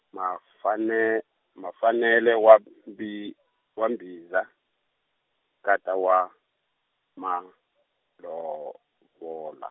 Mafane- Mafanele wa Mbi- wa Mbhiza, nkata wa, Malovola.